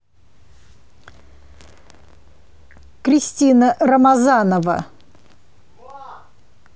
кристина рамазанова